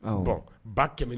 Awɔ, bon ba kɛmɛ